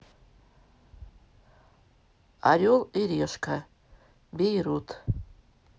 орел и решка бейрут